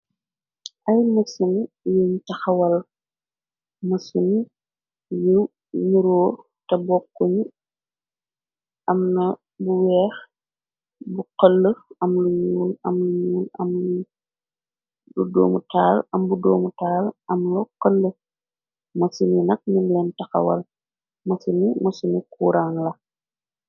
ay mag sini yeeñ taxawal ma suni yu nuroo te bokku ñu amna bu weex bu xël amluu amlu ñuul amu doomu taal am bu doomu taal amlu xël më sini nak nin leen taxawal ma si ni ma suni kuuraan la